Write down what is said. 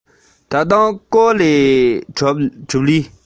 སྐེ དང བྲང ཡོད ཚད ཁམ ཆུས ནོག འདུག